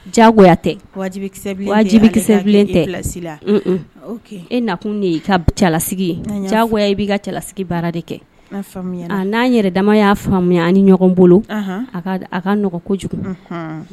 Jagoya tɛ wajibikisɛbilen tɛ wajibikisɛbilen tɛ ale k'a kɛ i place la un un ok e na kun de ye i ka b cɛlasigi ye jagoya i b'i ka cɛlasigi baara de kɛ a faamuyana a n'an yɛrɛdama y'a faamuya an ni ɲɔgɔn bolo anahn a ka d a ka nɔgɔn kojuku unhunn